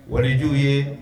Warijuw ye